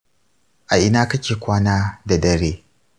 a ina kake kwana da dare?